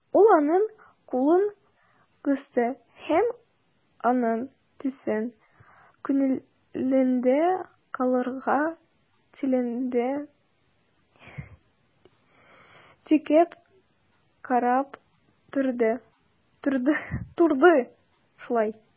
Ул аның кулын кысты һәм, аның төсен күңелендә калдырырга теләгәндәй, текәп карап торды.